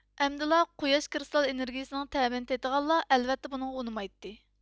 ئەمدىلا قۇياش كرىستال ئېنىرگىيىسىنىڭ تەمىنى تېتىغانلار ئەلۋەتتە بۇنىڭغا ئۇنىمايتتى